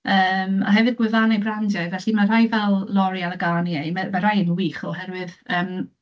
Yym, a hefyd gwefannau brandiau. Felly ma' rhai fel L'oreal a Garnier, ma' ma' rhai o nhw'n wych, oherwydd yym...